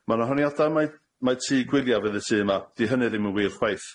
Ma' 'na honiadau mai mai tŷ gwyliau fydd y tŷ yma. 'Di hynny ddim yn wir chwaith.